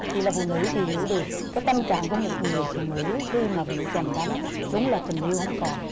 chị là phụ nữ chị hiểu được cái tâm trạng của một người phụ nữ khi mà bị chồng đánh á đúng là tình yêu không còn